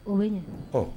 O bɛ ɲɛ